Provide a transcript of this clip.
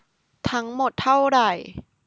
ทั้งหมดเท่าไหร่